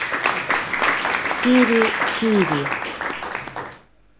кири кири